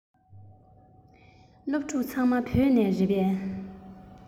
སློབ ཕྲུག ཚང མ བོད ལྗོངས ནས རེད པས